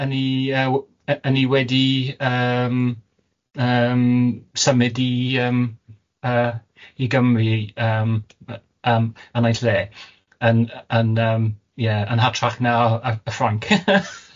'Dy ni yy w- e- 'dy ni wedi yym yym symud i yym yy i Gymru yym yy yym yn ei lle yn yn yym ie, yn hytrach na ac Ffrainc